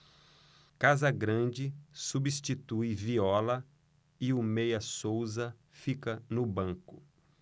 casagrande substitui viola e o meia souza fica no banco